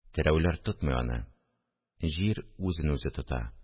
– терәүләр тотмый аны, җир үзен үзе тота